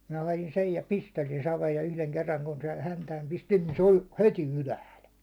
minä hain sen ja pistelin saveen ja yhden kerran kun sen häntään pistin niin se oli heti ylhäällä